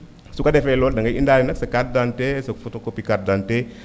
su ko defee loolu dangay indaale nag sa carte d: identité sa photocopie carte d: identité